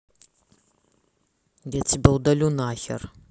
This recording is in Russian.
я тебя удалю на хер